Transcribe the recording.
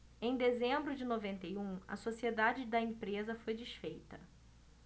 em dezembro de noventa e um a sociedade da empresa foi desfeita